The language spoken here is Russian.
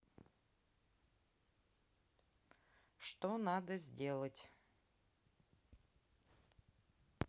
что надо сделать